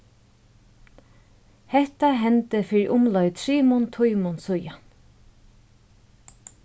hetta hendi fyri umleið trimum tímum síðan